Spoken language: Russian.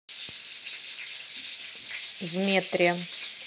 в метре